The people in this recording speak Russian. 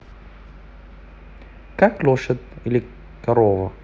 как лошадь или корова